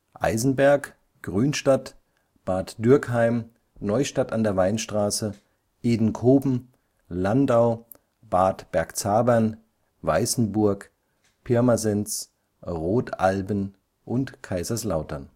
Eisenberg, Grünstadt, Bad Dürkheim, Neustadt an der Weinstraße, Edenkoben, Landau, Bad Bergzabern, Wissembourg (Weißenburg), Pirmasens, Rodalben und Kaiserslautern